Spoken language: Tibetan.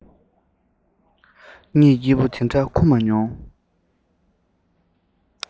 གཉིད སྐྱིད པོ འདི འདྲ ཁུག མ མྱོང